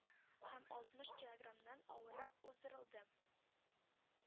Һәм алтмыш килограммнан авыррак уздырылды.